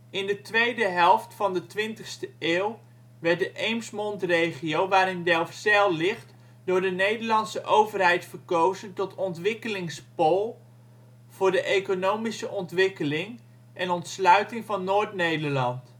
In de tweede helft van de twintigste eeuw werd de Eemsmondregio waarin Delfzijl ligt door de Nederlandse Overheid verkozen tot ontwikkelingspool voor de economische ontwikkeling en ontsluiting van Noord-Nederland